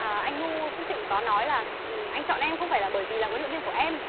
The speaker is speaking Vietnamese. à anh nu phước thịnh có nói là anh chọn em không phải là bởi vì là huấn luyện viên của em